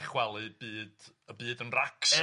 a chwalu byd y byd yn racs... Yn union...